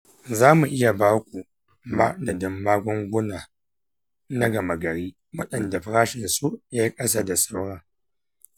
za mu iya ba ku madadin magunguna na gama-gari waɗanda farashinsu ya yi ƙasa da sauran.